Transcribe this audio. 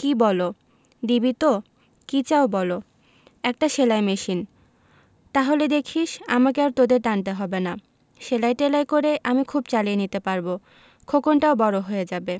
কি বলো দিবি তো কি চাও বলো একটা সেলাই মেশিন তাহলে দেখিস আমাকে আর তোদের টানতে হবে না সেলাই টেলাই করে আমি খুব চালিয়ে নিতে পারব খোকনটাও বড় হয়ে যাবে